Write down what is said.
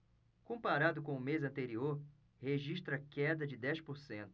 comparado com o mês anterior registra queda de dez por cento